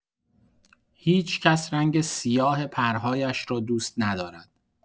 هیچ‌کس رنگ سیاه پرهایش را دوست ندارد.